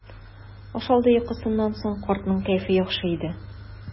Аш алды йокысыннан соң картның кәефе яхшы иде.